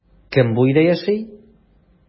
Кем бу өйдә яши?